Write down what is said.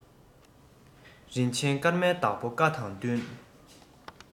རིན ཆེན སྐར མའི བདག པོའི བཀའ དང བསྟུན